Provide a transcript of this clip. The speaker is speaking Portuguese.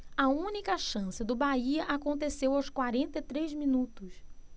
a única chance do bahia aconteceu aos quarenta e três minutos